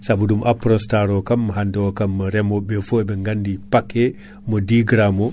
saabu ɗum Aprostar o kam hande o kam reemoɓeɓe foof na gandi paquet mo 10G o